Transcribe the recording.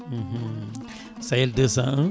Sayel 201